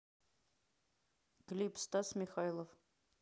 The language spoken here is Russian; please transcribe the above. клип стас михайлов